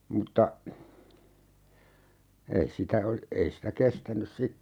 mutta ei sitä - ei sitä kestänyt sitten